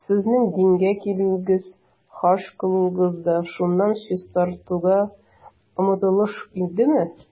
Сезнең дингә килүегез, хаҗ кылуыгыз да шуннан чистарынуга омтылыш идеме?